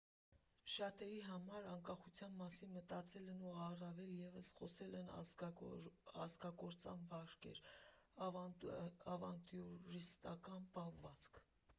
Շատերի համար անկախության մասին մտածելն ու առավել ևս խոսելն ազգակործան վարք էր, ավանտյուրիստական պահվածք։